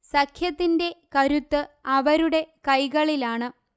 സഖ്യത്തിന്റെ കരുത്ത് അവരുടെ കൈകളിലാണ്